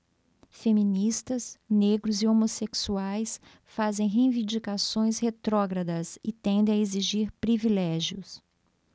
feministas negros e homossexuais fazem reivindicações retrógradas e tendem a exigir privilégios